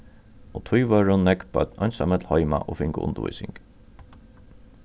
og tí vóru nógv børn einsamøll heima og fingu undirvísing